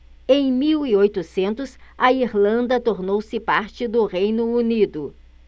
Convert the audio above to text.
em mil e oitocentos a irlanda tornou-se parte do reino unido